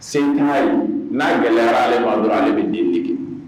Senta n'a gɛlɛyayaraale ma dɔrɔn ale bɛ den de kɛ